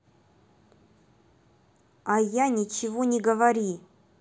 я не я ничего не говори